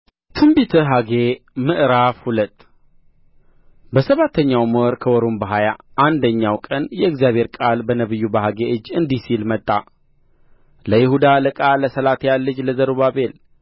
ትንቢተ ሐጌ ምዕራፍ ሁለት በሰባተኛው ወር ከወሩም በሀያ አንደኛው ቀን የእግዚአብሔር ቃል በነቢዩ በሐጌ እጅ እንዲህ ሲል መጣ ለይሁዳ አለቃ ለሰላትያል ልጅ ለዘሩባቤል